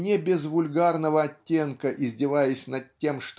не без вульгарного оттенка издеваясь над тем